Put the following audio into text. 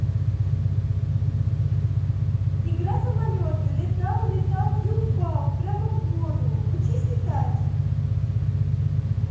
игра самолеты летал летал и упал прямо в воду учись летать